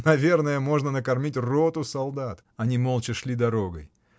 Наверное можно накормить роту солдат. Они молча шли дорогой.